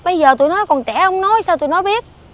bây giờ tụi nó còn trẻ ông nói sao tụi nó biết